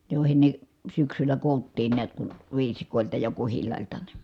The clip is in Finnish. joihin ne syksyllä koottiin näet kun viisikoilta ja kuhilailta niin